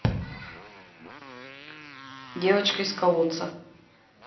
девочка из колодца